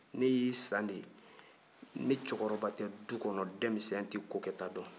ne y'i san de ni cɛkɔrɔba tɛ du kɔnɔ denmisɛn tɛ ko kɛta dɔn